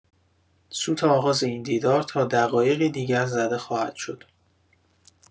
سوت آغاز این دیدار تا دقایقی دیگر زده خواهد شد.